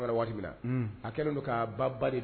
Kɛlen don